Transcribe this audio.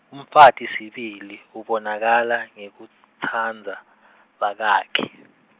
umfati sibili, ubonakala ngekutsandza, bakakhe.